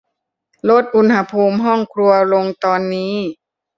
ลดอุณหภูมิห้องครัวลงตอนนี้